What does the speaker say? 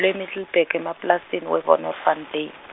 we- Middelburg emaplasini we- Wonderfontein.